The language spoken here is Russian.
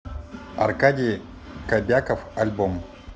аркадий кобяков альбом